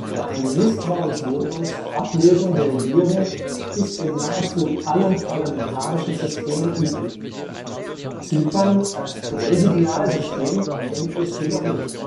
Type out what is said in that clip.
Ein Misstrauensvotum zur Ablösung der Regierung ist in nahezu allen parlamentarischen Systemen üblich; Zypern als Präsidialsystem kennt es jedoch nicht